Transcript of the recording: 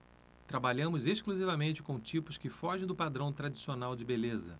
trabalhamos exclusivamente com tipos que fogem do padrão tradicional de beleza